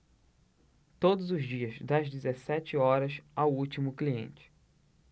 todos os dias das dezessete horas ao último cliente